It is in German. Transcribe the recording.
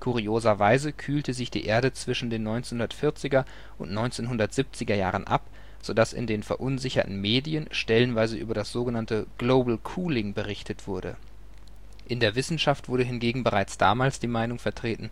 Kurioserweise kühlte sich die Erde zwischen den 1940er und 1970er Jahren ab, so dass in den verunsicherten Medien stellenweise über das so genannte global cooling berichtet wurde. In der Wissenschaft wurde hingegen bereits damals die Meinung vertreten